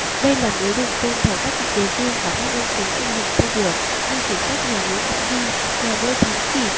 đây là miếu đường tôn thờ các vị đế vương và các danh tướng anh hùng tiêu biểu như sử sách nhà nguyễn đã ghi là nơi thống kỷ